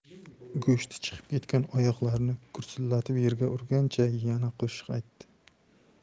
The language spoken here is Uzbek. go'shti chiqib ketgan oyoqlarini gursillatib yerga urgancha yana qo'shiq aytdi